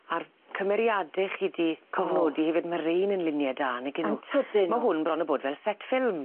A'r cymeriade chi 'di cofnodi hefyd ma' rein yn lunie da nag 'yn nw? Yn tydyn? Ma' hwn bron a bod fel set ffilm.